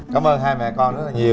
cám ơn hai mẹ con rất là nhiều